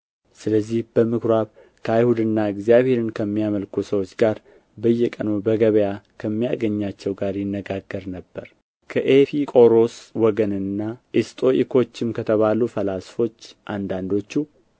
ስለዚህም በምኵራብ ከአይሁድና እግዚአብሔርን ከሚያመልኩ ሰዎች ጋር በየቀኑም በገበያ ከሚያገኛቸው ጋር ይነጋገር ነበር ከኤፊቆሮስ ወገንና ኢስጦኢኮችም ከተባሉት ፈላስፎች አንዳንዶቹ